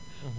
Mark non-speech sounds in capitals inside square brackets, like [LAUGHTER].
[HESITATION] [HESITATION]